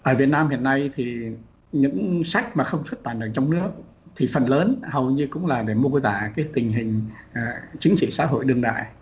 tại việt nam hiện nay thì những sách mà không xuất bản ở trong nước thì phần lớn hầu như cũng là để mô tả cái tình hình chính trị xã hội đương đại